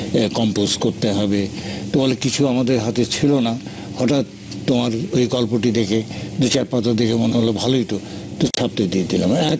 compose করতে হবে তো কিছু আমাদের হাতে ছিল না হঠাৎ তোমার ঐ গল্পটি দেখি দু চার পাতা দেখে মনে হল ভালইতো ছাপতে দিয়ে দিলাম